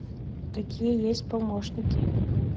какие есть помощники